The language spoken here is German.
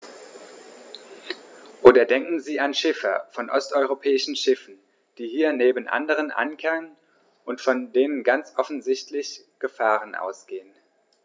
Oder denken Sie an Schiffer von osteuropäischen Schiffen, die hier neben anderen ankern und von denen ganz offensichtlich Gefahren ausgehen.